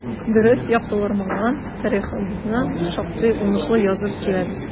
Дөрес яктыртылмаган тарихыбызны шактый уңышлы язып киләбез.